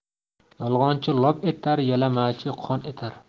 yolg'onchi lop etar yalamachi qon etar